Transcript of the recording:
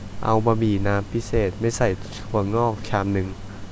เอาบะหมี่น้ำพิเศษไม่ใส่ถั่วงอกชามนึง